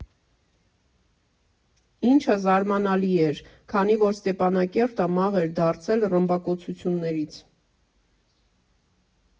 Ինչը զարմանալի էր, քանի որ Ստեփանակերտը մաղ էր դարձել ռմբակոծություններից։